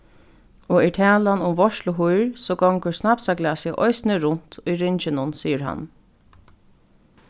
og er talan um veitsluhýr so gongur snapsaglasið eisini runt í ringinum sigur hann